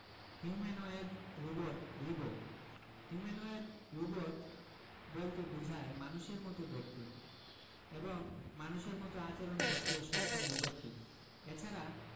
humanoid robot Ribo humanoid robot বলতে বোঝায় মানুষের মতো দেখতে এবং মানুষের মতো আচরণ করতে সক্ষম রোবটকে এছাড়া